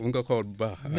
nañ ko xool bu baax